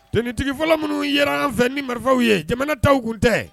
Ttigi fɔlɔ minnu ye an fɛ ni marifaw ye jamana ta tun tɛ